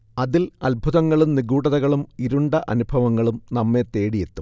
അതിൽ അത്ഭുതങ്ങളും നിഗൂഢതകളും ഇരുണ്ട അനുഭവങ്ങളും നമ്മേ തേടിയെത്തും